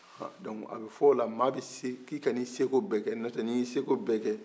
donc a be fɔ ola maa bese k'i kana i seko bɛkɛ n'o tɛ n'i y'i seko bɛkɛ